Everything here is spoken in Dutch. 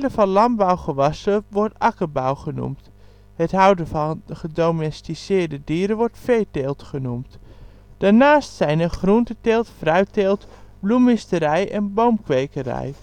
van landbouwgewassen wordt akkerbouw genoemd, het houden van gedomesticeerde dieren wordt veeteelt genoemd. Daarnaast zijn er de groenteteelt, fruitteelt, bloemisterij en boomkwekerij